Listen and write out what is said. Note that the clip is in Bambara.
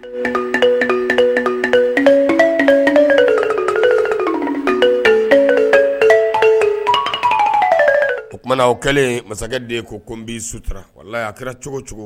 O tumana o kɛlen masakɛ de ye ko ko sutura wala y'a kɛra cogo cogo